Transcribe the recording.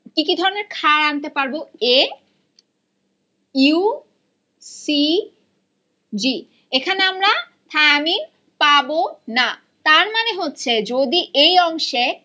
কি কি ধরনের ক্ষার আনতে পারব এ ইউ সি জিএখানে আমরা থায়ামিন পাবো না তার মানে হচ্ছে যদি এ অংশে